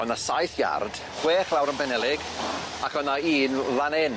O' 'na saith iard chwech lawr yn Penelig ac o' 'na un fan 'yn.